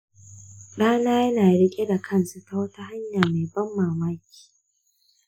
ɗana yana riƙe da kansa ta wata hanya mai ban mamaki.